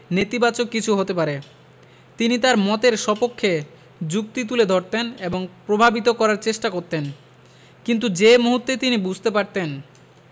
নেতিবাচক কিছু হতে পারে তিনি তাঁর মতের সপক্ষে যুক্তি তুলে ধরতেন এবং প্রভাবিত করার চেষ্টা করতেন কিন্তু যে মুহূর্তে তিনি বুঝতে পারতেন